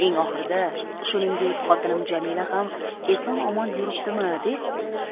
eng oxirida shuningdek xotinim jamila ham eson omon yuribdimi